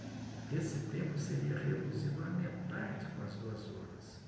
esse tempo seria reduzido à metade com as duas urnas